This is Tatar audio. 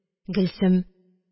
Гөлсем: